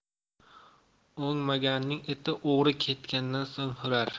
o'ngmaganning iti o'g'ri ketgandan so'ng hurar